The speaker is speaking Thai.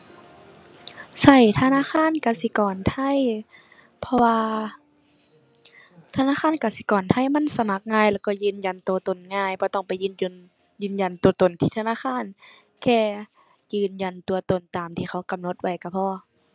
ใช้ธนาคารกสิกรไทย เพราะว่าธนาคารกสิกรไทยมันสมัครง่ายแล้วใช้ยืนยันใช้ตนง่ายบ่ต้องไปยืนยน ยืนยันใช้ตนที่ธนาคาร แค่ยืนยันตัวตนตามที่เขากำหนดไว้ใช้พอ